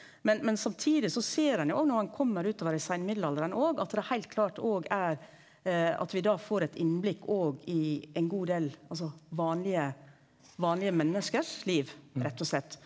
men men samtidig så ser ein jo òg når ein kjem utover i seinmellomalderen òg at det heilt klart òg er at vi da får eit innblikk òg i ein god del altså vanlege vanlege menneskes liv rett og slett.